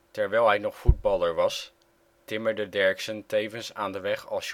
Terwijl hij nog voetballer was, timmerde Derksen tevens aan de weg als